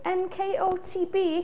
NKTOB.